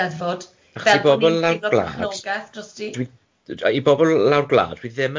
Achos i bobl lawr gwlad dwi i bobl lawr gwlad dwi ddim yn meddwl